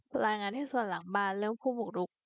รายงานที่สวนหลังบ้านเรื่องผู้บุกรุก